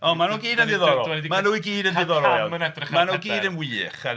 O maen nhw i gyd yn ddiddorol... maen nhw'n gyd yn ddiddorol iawn... Maen nhw'i gyd yn wych.